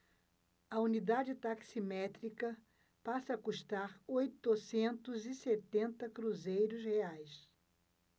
a unidade taximétrica passa a custar oitocentos e setenta cruzeiros reais